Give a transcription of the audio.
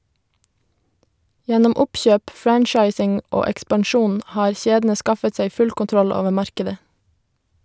Gjennom oppkjøp, franchising og ekspansjon har kjedene skaffet seg full kontroll over markedet.